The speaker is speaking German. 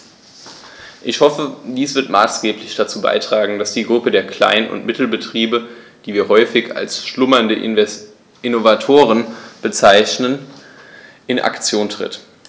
Ich hoffe, dies wird maßgeblich dazu beitragen, dass die Gruppe der Klein- und Mittelbetriebe, die wir häufig als "schlummernde Innovatoren" bezeichnen, in Aktion tritt.